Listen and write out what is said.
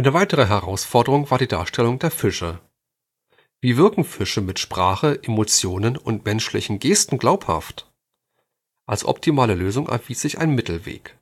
weitere Herausforderung war die Darstellung der Fische. Wie wirken Fische mit Sprache, Emotionen und menschenähnlichen Gesten glaubhaft? Als optimale Lösung erwies sich ein Mittelweg